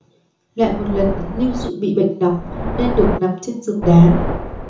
lại một lần lưu dụ bị bệnh nóng nên được nằm trên giường đá